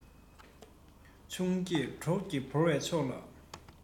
ཆུང སྐྱེས གྲོགས ཀྱིས བོར བའི ཕྱོགས ལ